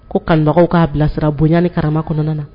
Ko kan k'a bilasirara bonyaanikarama kɔnɔna na